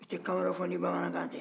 u tɛ kan wɛrɛ fɔ ni bamanankan tɛ